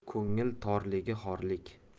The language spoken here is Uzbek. ko'ngil torhgi xorlik